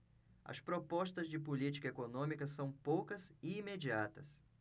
as propostas de política econômica são poucas e imediatas